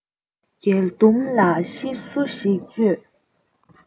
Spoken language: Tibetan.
མགལ དུམ ལ ཤེ སུ ཞིག སྤྱོད